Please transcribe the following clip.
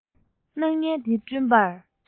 སྣང བརྙན འདི བསྐྲུན པར